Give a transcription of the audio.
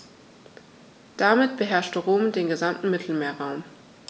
Damit beherrschte Rom den gesamten Mittelmeerraum.